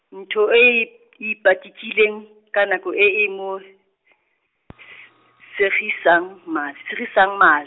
ntho e e , ipatikileng, ka nako e e mo, s- segisang ma-, segisang ma-.